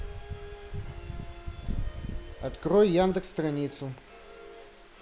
открой яндекс страницу